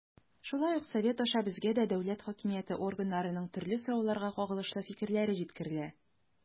Шулай ук Совет аша безгә дә дәүләт хакимияте органнарының төрле сорауларга кагылышлы фикерләре җиткерелә.